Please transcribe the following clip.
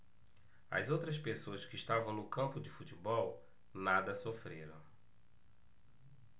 as outras pessoas que estavam no campo de futebol nada sofreram